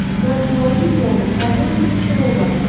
Дон Морисионың хәзер үк килеп чыгуы бар.